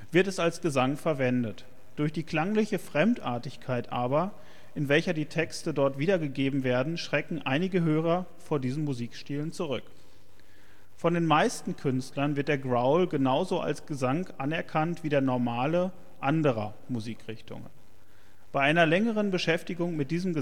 wird es als Gesang verwendet. Durch die klangliche Fremdartigkeit aber, in welcher die Texte dort wiedergegeben werden, schrecken einige Hörer vor diesen Musikstilen zurück. Von den meisten Künstlern wird der Growl genauso als Gesang anerkannt wie der „ normale “anderer Musikrichtungen. Bei einer längeren Beschäftigung mit diesem